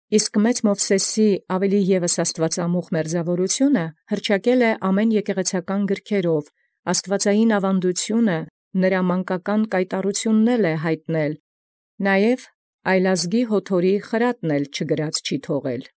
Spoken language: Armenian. Իսկ մեծին Մովսէսի զառաւելագոյն զաստուածամուխ մերձաւորութիւն՝ ամենայն եկեղեցական գրով հնչեցուցեալ, զորոյ և զտղայութեան զկայտառութիւնն յայտ արարեալ աստուածեղէն աւրինացն. նա և զայլազգոյն զՅոթորի ևս զխրատն չանցուցեալ անգիր։